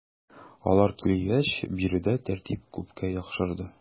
Алар килгәч биредә тәртип күпкә яхшырды.